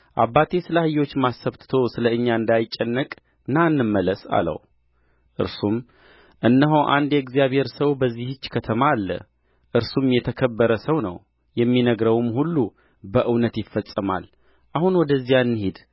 አባቴ ስለ አህዮች ማሰብ ትቶ ስለ እኛ እንዳይጨነቅ ና እንመለስ አለው እርሱም እነሆ አንድ የእግዚአብሔር ሰው በዚህች ከተማ አለ እርሱም የተከበረ ሰው ነው የሚናገረውም ሁሉ በእውነት ይፈጸማል አሁን ወደዚያ እንሂድ